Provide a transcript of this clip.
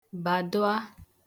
bàdụ̀a